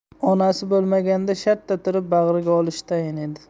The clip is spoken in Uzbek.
onasi bo'lmaganida shartta turib bag'riga olishi tayin edi